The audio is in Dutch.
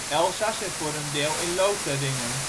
Elzas en voor een deel in Lotharingen